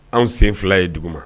Anw sen fila ye dugu ma